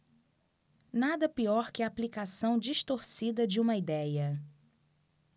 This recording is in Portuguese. nada pior que a aplicação distorcida de uma idéia